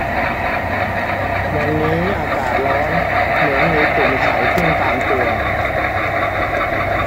วันนี้อากาศร้อนเหมือนมีตุ่มใสขึ้นตามตัว